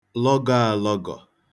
lọgọ̄ ālọ̄gọ̀